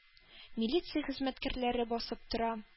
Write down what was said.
Милиция хезмәткәрләре басып тора.